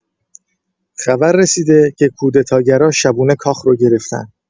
خبر رسیده که کودتاگرا شبونه کاخ رو گرفتن.